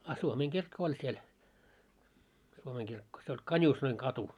a suomenkirkko oli siellä suomenkirkko se oli Kanuusnoinkatu